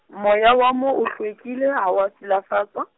moya wa moo o hlwekile ha o silafatswa.